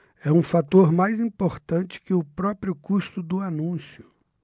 é um fator mais importante que o próprio custo do anúncio